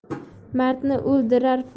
mardni o'ldirar firoq